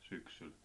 syksyllä